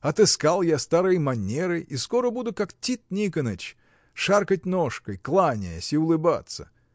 Отыскал я старые манеры и скоро буду, как Тит Никоныч, шаркать ножкой, кланяясь, и улыбаться.